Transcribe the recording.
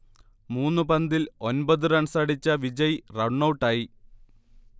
മൂന്നു പന്തിൽ ഒൻപത് റൺസടിച്ച വിജയ് റൺഔട്ടായി